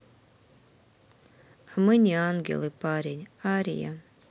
а мы не ангелы парень ария